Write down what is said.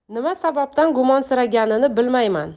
nima sababdan gumonsiraganini bilmayman